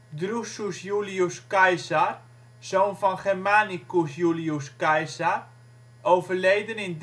Drusus Julius Caesar, zoon van Germanicus Julius Caesar (overleden 33